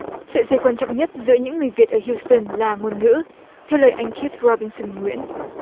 sợi dây quan trọng nhất giữa những người việt ở hiu từn là ngôn ngữ theo lời anh khít ro bin sừn nguyễn